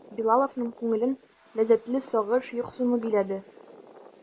Билаловның күңелен ләззәтле сагыш, юксыну биләде.